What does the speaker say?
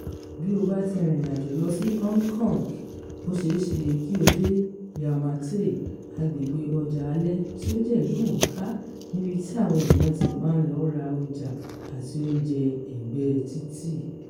Bí o bá ti rìnrìn àjò lọ sí Hong Kong, o ṣe é ṣe kí o dé Yau Ma Tei, agbègbè ọjà alẹ́ tí ó jẹ́ ìlúmọ̀nánká níbi tí àwọn ènìyàn ti máa ń lọ ra ọjà àti oúnjẹ ẹ̀gbẹ́ẹ títì.